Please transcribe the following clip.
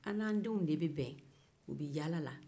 an ni anw denw de bɛ bɛn u bɛ yala la